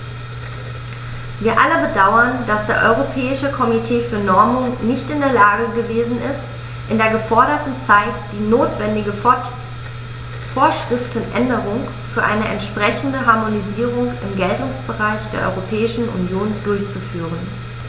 Wir alle bedauern, dass das Europäische Komitee für Normung nicht in der Lage gewesen ist, in der geforderten Zeit die notwendige Vorschriftenänderung für eine entsprechende Harmonisierung im Geltungsbereich der Europäischen Union durchzuführen.